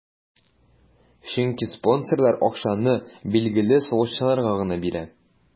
Чөнки спонсорлар акчаны билгеле сугышчыларга гына бирә.